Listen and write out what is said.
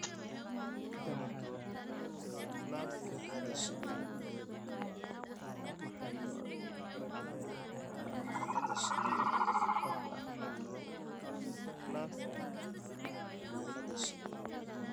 Waa miis cadaan ah waxaa saaran ubaxyo oo saf ku jiraan oo cagaar iyo jaale isugu jiraan